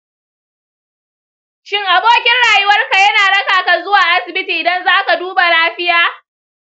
shin abokin rayuwarka yana raka ka zuwa asibiti idan za ka duba lafiya?